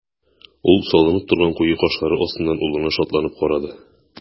Ул салынып торган куе кашлары астыннан улына шатланып карады.